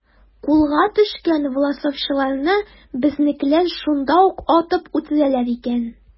Кулга төшкән власовчыларны безнекеләр шунда ук атып үтерәләр икән.